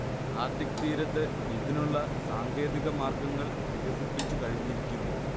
Arctic തീരത്ത് ഇതിനുള്ള സാങ്കേതിക മാർഗങ്ങൾ വികസിപ്പിച്ചു കഴിഞ്ഞിരിക്കുന്നു